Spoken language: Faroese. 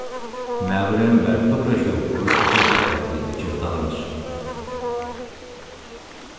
maðurin var púra sjúkur eftir at sleppa til egyptalands